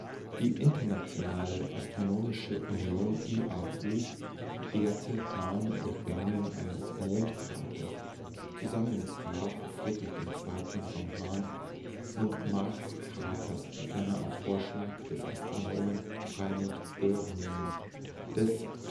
Die Internationale Astronomische Union (IAU) ehrte Hahn durch die Benennung eines Mondkraters (zusammen mit Graf Friedrich II. von Hahn) und Marskraters, ferner, auf Vorschlag des Astronomen Freimut Börngen, des Kleinplaneten